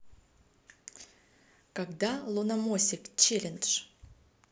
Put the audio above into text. когда луномосик челлендж